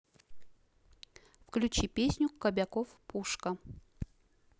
включи песню кобяков пушка